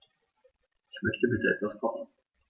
Ich möchte bitte etwas kochen.